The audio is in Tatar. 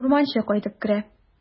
Урманчы кайтып керә.